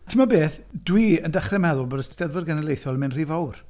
Timod beth, dwi yn dechrau meddwl bod Eisteddfod Genedlaethol yn mynd rhy fawr.